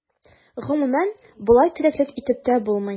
Гомумән, болай тереклек итеп тә булмый.